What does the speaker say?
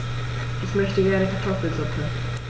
Ich möchte gerne Kartoffelsuppe.